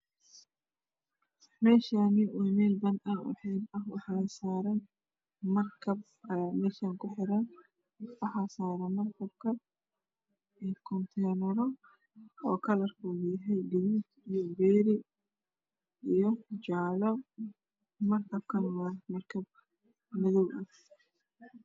Meeshaani waa meel badda ah oo xeeb ah. Waxa saaran markad, markad ayaa meeshaan ku xeran, waxaa saaran markadka kurteyralo oo karrarkooda yahay gaduud iyo direyri iyo jaalo, markadkaan waa markad madow ah .